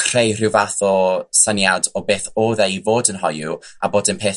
creu rhyw fath o syniad o beth odd e i fod yn hoyw a bod yn peth